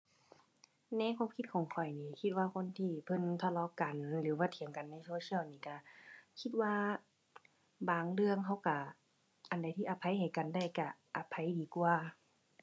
ในความคิดของข้อยนี่คิดว่าคนที่เพิ่นทะเลาะกันหรือว่าเถียงกันโซเชียลนี่ก็ คิดว่าบางเรื่องเขาก็ อันใดที่อภัยให้กันได้ก็อภัยดีกว่า